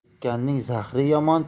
tikanning zahri yomon